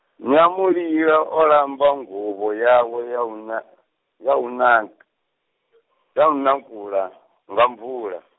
Nyamulila o lamba nguvho yawe ya u na, ya na k-, ya na kuḽa, nga mvula.